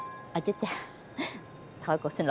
à chết cha thôi cô xin